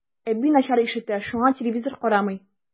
Әби начар ишетә, шуңа телевизор карамый.